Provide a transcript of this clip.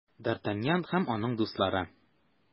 Д’Артаньян һәм аның дуслары.